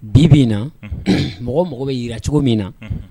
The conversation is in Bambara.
Bi bɛ in na mɔgɔ mɔgɔ bɛra cogo min na